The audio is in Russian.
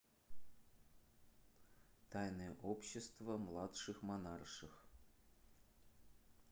тайное общество младших монарших